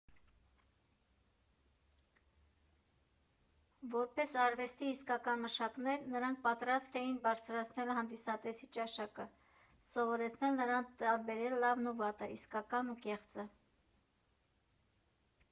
Որպես արվեստի իսկական մշակներ՝ նրանք պատրաստ էին բարձրացնել հանդիսատեսի ճաշակը, սովորեցնել նրան տարբերել լավն ու վատը, իսկականն ու կեղծը։